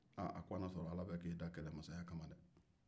a ko a na sɔrɔ ala kɛlen be k'e da kɛlɛmasaya kama dɛ